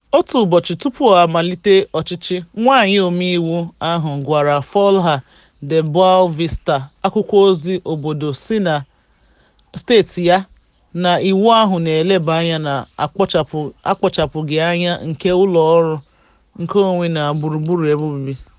Otu ụbọchị tupu ọ malite ọchịchị, nwaanyị omeiwu ahụ gwara Folha de Boa Vista, akwụkwọozi obodo si na steeti ya, na iwu ahụ na-eleba anya na akpachapụghị anya nke ụlọọrụ nkeonwe na gburugburu ebe obibi: